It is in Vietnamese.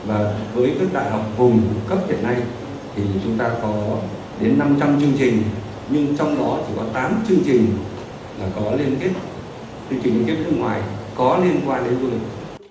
và với các đại học vùng cấp hiện nay thì chúng ta có đến năm trăm chương trình nhưng trong đó chỉ có tám chương trình là có liên kết trực tiếp nước ngoài có liên quan đến du lịch